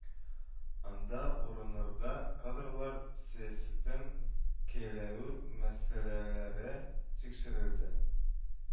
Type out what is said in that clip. Анда урыннарда кадрлар сәясәтен көйләү мәсьәләләре тикшерелде